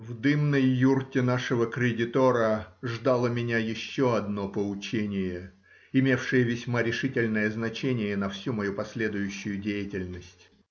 В дымной юрте нашего кредитора ждало меня еще одно поучение, имевшее весьма решительное значение на всю мою последующую деятельность.